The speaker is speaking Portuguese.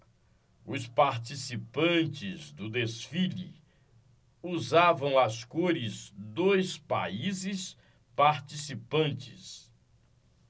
os participantes do desfile usavam as cores dos países participantes